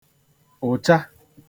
ụ̀cha